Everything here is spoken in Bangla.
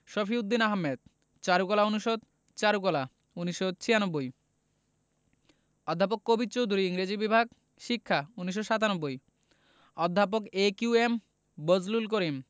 শফিউদ্দীন আহমেদ চারুকলা অনুষদ চারুকলা ১৯৯৬ অধ্যাপক কবীর চৌধুরী ইংরেজি বিভাগ শিক্ষা ১৯৯৭ অধ্যাপক A Q M Bazlul Karim